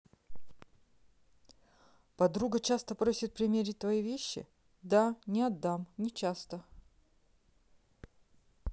подруга часто просит примерить твои вещи да не отдам не часто